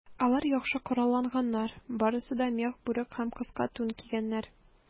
Алар яхшы коралланганнар, барысы да мех бүрек һәм кыска тун кигәннәр.